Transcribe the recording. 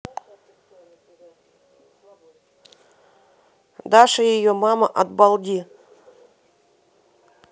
даша и ее мама от балди